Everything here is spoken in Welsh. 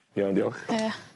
Iawn diolch. Ie.